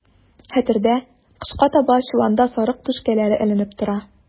Хәтердә, кышка таба чоланда сарык түшкәләре эленеп тора.